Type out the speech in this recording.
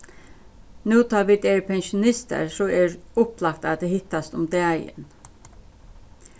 nú tá vit eru pensjonistar so er upplagt at hittast um dagin